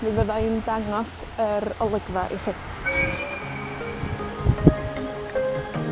mi fydda i'n dangos yr olygfa i chi